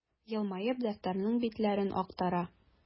Елмаеп, дәфтәрнең битләрен актара.